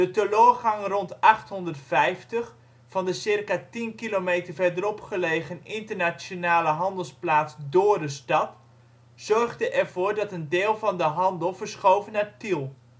teloorgang rond 850 van de circa 10 kilometer verderop gelegen internationale handelsplaats Dorestad, zorgde er voor dat een deel van de handel verschoof naar Tiel. In